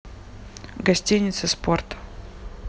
гостиница спорт